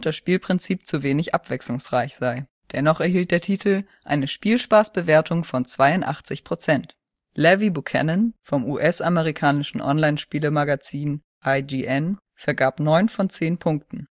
Spielprinzip zu wenig abwechslungsreich sei. Dennoch erhielt der Titel eine Spielspaßwertung von 82 %. Levi Buchanan vom US-amerikanischen Online-Spielemagazin IGN vergab 9 von 10 Punkten